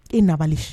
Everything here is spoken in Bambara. E nabali